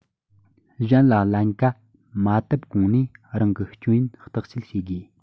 གཞན ལ ཀླན ཀ མ བཏབ གོང ནས རང གི སྐྱོན ཡོན བརྟག དཔྱད བྱེད དགོས